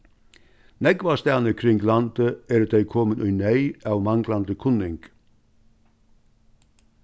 nógvastaðni kring landið eru tey komin í neyð av manglandi kunning